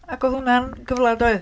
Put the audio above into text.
Ac o'dd hwnna'n gyfla doedd?